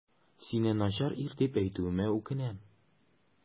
Сине начар ир дип әйтүемә үкенәм.